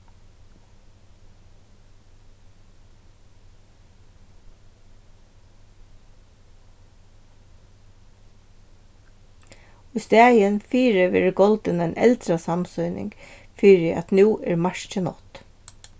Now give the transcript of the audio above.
í staðin fyri verður goldin ein eldrasamsýning fyri at nú er markið nátt